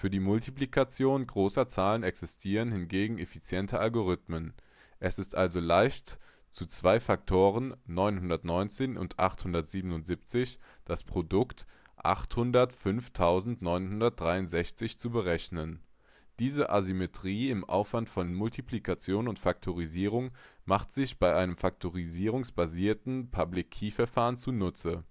die Multiplikation großer Zahlen existieren hingegen effiziente Algorithmen; es ist also leicht, zu zwei Faktoren (919 und 877) das Produkt (805963) zu berechnen. Diese Asymmetrie im Aufwand von Multiplikation und Faktorisierung macht man sich in bei faktorisierungsbasierten Public-Key-Verfahren zu Nutze